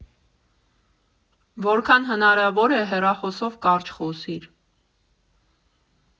Որքան հնարավոր է հեռախոսով կարճ խոսի՛ր։